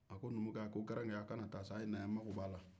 numunkɛ garanke aw ka na taa sa aw ye na yan n mako b'aw la